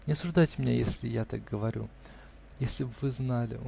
Не осуждайте меня, если я так говорю. Если б вы знали.